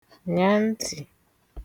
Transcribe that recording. nyà ntì